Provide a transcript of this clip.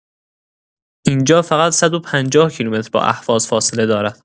اینجا فقط ۱۵۰ کیلومتر با اهواز فاصله دارد.